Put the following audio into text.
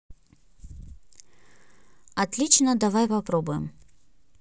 отлично давай попробуем